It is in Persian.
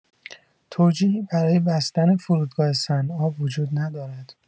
توجیهی برای بستن فرودگاه صنعا وجود ندارد.